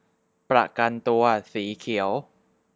ประกันตัวสีเขียว